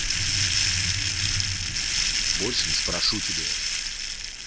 больше не спрошу тебя